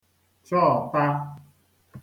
chọọta